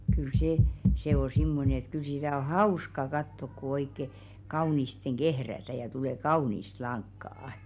kyllä se se on semmoinen että kyllä sitä on hauska katsoa kun oikein kauniisti kehrätään ja tulee kaunista lankaa